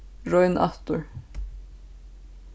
royn aftur